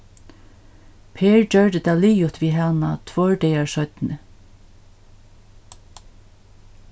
per gjørdi tað liðugt við hana tveir dagar seinni